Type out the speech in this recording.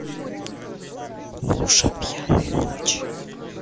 нюша пьяные ночи